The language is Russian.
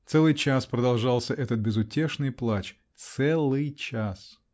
Целый час продолжался этот безутешный плач, целый час!